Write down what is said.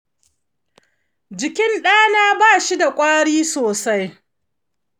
jikin ɗana ba shi da kwari sosai.